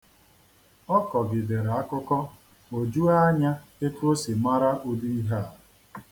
Ọ kọgidere akụkọ, o juo anya etu o si mara udi ihe a.